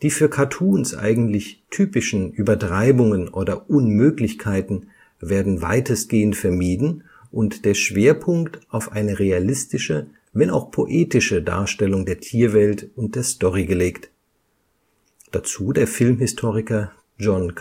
für Cartoons eigentlich typischen Übertreibungen oder Unmöglichkeiten werden weitestgehend vermieden und der Schwerpunkt auf eine realistische, wenn auch poetische, Darstellung der Tierwelt und der Story gelegt. Dazu der Filmhistoriker John